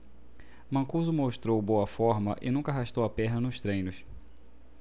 mancuso mostrou boa forma e nunca arrastou a perna nos treinos